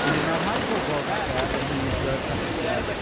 Neu ma' rhai pobl falle, yn neidio i'r casgliad...